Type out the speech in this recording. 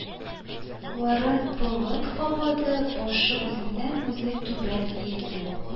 Ларын болыт каплады, башы үзеннән-үзе түбән иелде